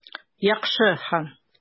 Яхшы, хан.